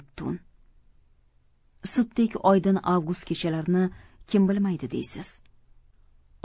sutdek oydin avgust kechalarini kim bilmaydi deysiz